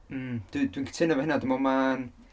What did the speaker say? Mm. Dwi- dwi'n cytuno efo hynna, dwi'n meddwl ma'n...